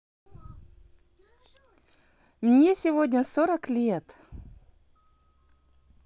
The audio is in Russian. мне сегодня сорок лет